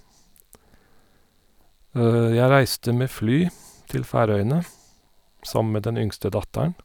Jeg reiste med fly til Færøyene sammen med den yngste datteren.